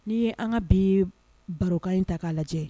N' an ka bi barokan in ta k'a lajɛ